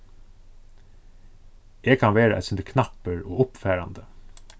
eg kann vera eitt sindur knappur og uppfarandi